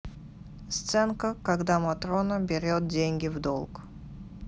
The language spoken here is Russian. сценка когда матрона берет деньги в долг